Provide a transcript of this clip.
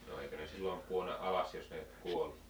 no eikö ne silloin pudonnut alas jos ne kuoli